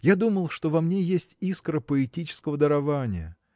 я думал, что во мне есть искра поэтического дарования